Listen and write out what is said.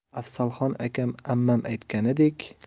afzalxon akam ammam aytganidek